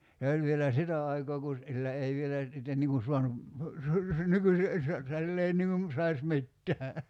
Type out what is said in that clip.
se oli vielä sitä aikaa kun sillä ei vielä sitten niin kuin saanut nykyisin ei se sillä ei niin kuin saisi mitään